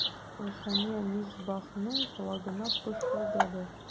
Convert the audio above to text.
Рушания Мисбахның колагына пышылдады.